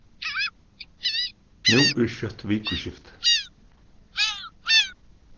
nú er skjótt vikuskifti